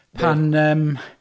Pan yym...